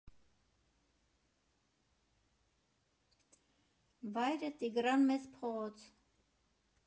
Վայրը՝ Տիգրան Մեծ փողոց։